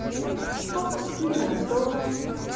чпок и готово